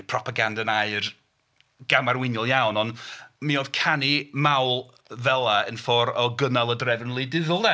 Propaganda yn air gamarweiniol iawn. Ond mi oedd canu mawl fela yn ffor' o gynnal y drefn gwleidyddol de.